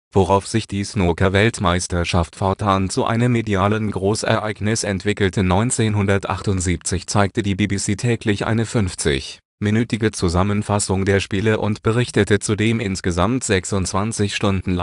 worauf sich die Snookerweltmeisterschaft fortan zu einem medialen Großereignis entwickelte. 1978 zeigte die BBC täglich eine 50-minütige Zusammenfassung der Spiele und berichtete zudem insgesamt 26 Stunden